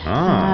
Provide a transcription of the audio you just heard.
å.